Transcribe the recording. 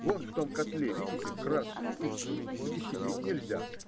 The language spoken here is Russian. Вон в том котле - видите, красный, узкий - так и сидеть нельзя